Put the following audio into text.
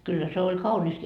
kyllä se oli kaunista